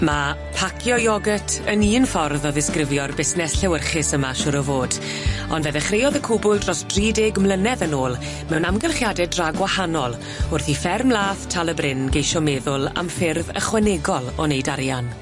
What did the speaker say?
Ma' pacio iogyrt yn un ffordd o ddisgrifio'r busnes llewyrchus yma siŵr o fod ond fe ddechreuodd y cwbl dros dri deg mlynedd yn ôl mewn amgylchiade dra gwahanol wrth i fferm lath Tal y Bryn geisio meddwl am ffyrdd ychwanegol o neud arian.